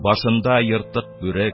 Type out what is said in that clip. Башында ертык бүрек,